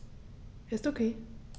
Ist OK.